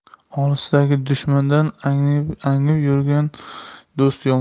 olisdagi dushmandan angnib yurgan do'st yomon